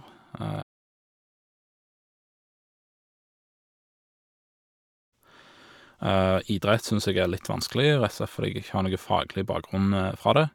Idrett syns jeg er litt vanskelig, rett og slett fordi jeg ikke har noe faglig bakgrunn fra det.